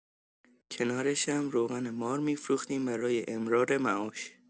کنارشم روغن مار می‌فروختیم برای امرارمعاش